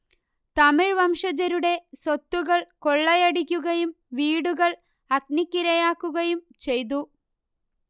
തമിഴ് വംശജരുടെ സ്വത്തുക്കൾ കൊള്ളയടിക്കുകയും വീടുകൾ അഗ്നിക്കിരയാക്കുകയും ചെയ്തു